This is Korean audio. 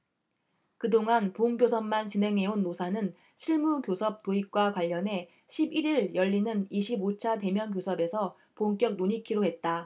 그 동안 본교섭만 진행해온 노사는 실무교섭 도입과 관련해 십 일 일 열리는 이십 오 차 대면교섭에서 본격 논의키로 했다